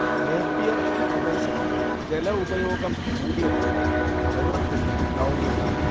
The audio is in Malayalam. നേപ്പിയർ പ്രദേശത്ത് ജലഉപയോഗം കൂടിയതോടെ വെള്ളത്തിന് ദൗർലഭ്യം